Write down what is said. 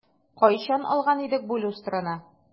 Кайчан алган идек ул люстраны?